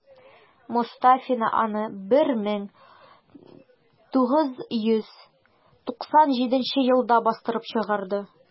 Мостафина аны 1997 елда бастырып чыгарды.